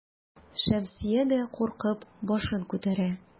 Шәмсия дә куркып башын күтәрә.